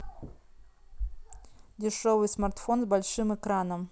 дешевый смартфон с большим экраном